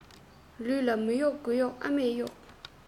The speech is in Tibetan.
ལུས ལ མ གཡོགས དགུ གཡོགས ཨ མས གཡོགས